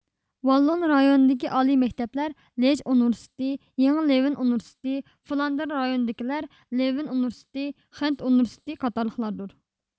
ۋاللون رايونىدىكى ئالىي مەكتەپلەر لېژ ئۇنىۋېرسىتېتى يېڭى لېۋېن ئۇنىۋېرسىتېتى فلاندېر رايونىدىكىلەر لېۋېن ئۇنىۋېرسىتېتى خېنت ئۇنىۋېرسىتېتى قاتارلىقلاردۇر